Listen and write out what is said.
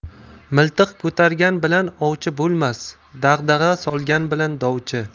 miltiq ko'targan bilan ovchi bo'lmas dag'dag'a solgan bilan dovchi